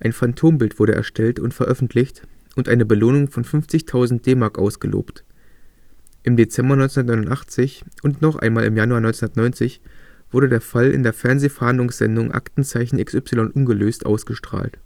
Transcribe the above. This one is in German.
Phantombild wurde erstellt und veröffentlicht und eine Belohnung von 50.000 D-Mark ausgelobt. Im Dezember 1989 und noch einmal im Januar 1990 wurde der Fall in der Fernsehfahndungssendung „ Aktenzeichen XY … ungelöst “ausgestrahlt